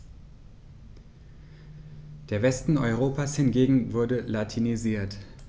Der Westen Europas hingegen wurde latinisiert.